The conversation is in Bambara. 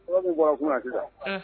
U' bɔra kun sisan